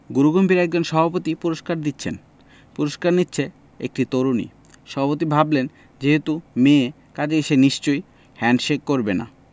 গুরুগম্ভীর একজন সভাপতি পুরস্কার দিচ্ছেন পুরস্কার নিচ্ছে একটি তরুণী সভাপতি ভাবলেন যেহেতু মেয়ে কাজেই সে নিশ্চয়ই হ্যাণ্ডশেক করবে না